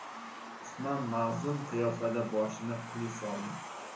usmon mahzun qiyofada boshini quyi soldi